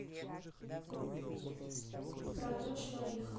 пролет швариха